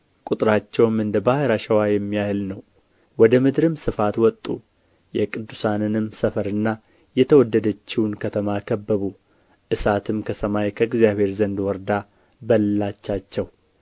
ቍጥራቸውም እንደ ባሕር አሸዋ የሚያህል ነው ወደ ምድርም ስፋት ወጡ የቅዱሳንንም ሰፈርና የተወደደችውን ከተማ ከበቡ እሳትም ከሰማይ ከእግዚአብሔር ዘንድ ወርዳ በላቻቸው